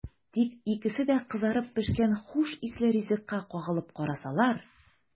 Тик икесе дә кызарып пешкән хуш исле ризыкка кагылып карасалар!